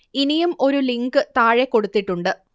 ഇനിയും ഒരു ലിങ്ക് താഴെ കൊടുത്തിട്ടുണ്ട്